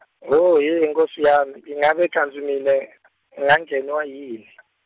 Hhohhe nkhosi yami, ingabe kantsi mine , ngangenewa yini ?